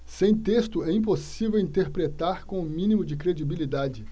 sem texto é impossível interpretar com o mínimo de credibilidade